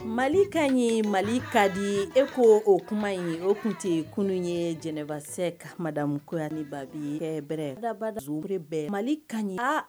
Mali ka ɲi mali ka di e ko o kuma in o tun tɛ kunun ye jɛnɛbakisɛ kadamu ni ba yɛrɛbrɛrabada bɛ mali ka ɲi aa